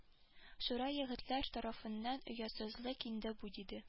Шура егетләр тарафыннан оятсызлык инде бу диде